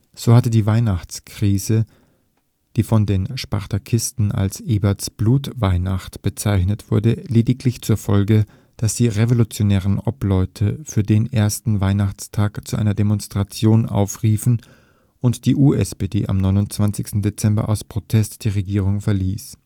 So hatte die Weihnachtskrise, die von den Spartakisten als „ Eberts Blutweihnacht “bezeichnet wurde, lediglich zur Folge, dass die Revolutionären Obleute für den ersten Weihnachtstag zu einer Demonstration aufriefen und die USPD am 29. Dezember aus Protest die Regierung verließ